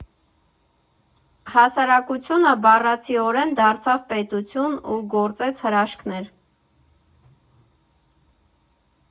Հասարակությունը բառացիորեն դարձավ պետություն ու գործեց հրաշքներ։